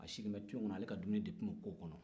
a sigilen bɛ tu in kɔnɔ ale ka dumuni de tun bɛ k'o kɔnɔ